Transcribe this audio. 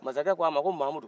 masakɛ k' a ma a ko mamudu